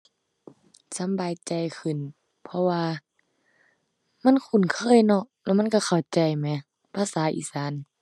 สำบายใจขึ้น เพราะว่ามันคุ้นเคยเนาะ แล้วมันก็เข้าใจแหมภาษาอีสาน